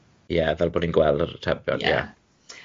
Ie fel bod hi'n gweld yr atebion ie.